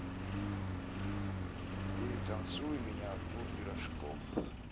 перетанцуй меня артур пирожков